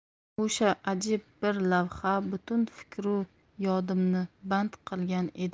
o'sha ajib bir lavha butun fikru yodimni band qilgan edi